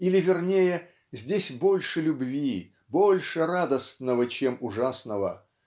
Или, вернее, здесь больше любви, больше радостного, чем ужасного.